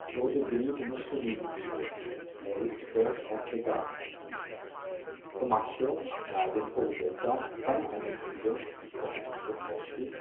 wurde Benito Mussolini geboren; er ist dort auch begraben. Comacchio, nahe dem Po-Delta, kann eine Brücke (Ponte Trepponti